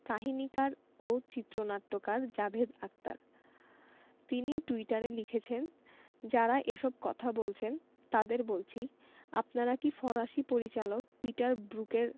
কাহিনিকার ও চিত্রনাট্যকার জাভেদ আখতার তিনি টুইটারে লিখেছেন যাঁরা এসব কথা বলছেন তাঁদের বলছি আপনারা কি ফরাসি পরিচালক পিটার ব্রুকের